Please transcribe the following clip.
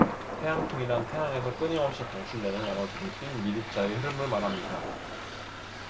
태양풍이란 태양에서 끊임없이 방출되는 에너지를 띤 미립자의 흐름을 말합니다